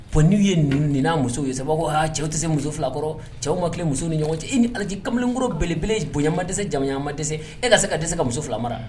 Bon n' ye nin muso ye aa cɛw tɛse muso filakɔrɔ cɛw ma tile muso ni ɲɔgɔn cɛ e ni alaji kamalenkoro belebele bonya ma dɛsɛse jamanaya ma dɛsɛ e ka se ka dɛsɛse ka muso fila mara